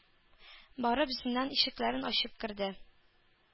Барып зиндан ишекләрен ачып керде,